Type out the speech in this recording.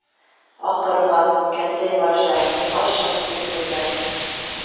– акырма, кәнтәй марҗа, сиңа чорт тисенме